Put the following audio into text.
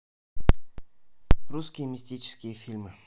русские мистические фильмы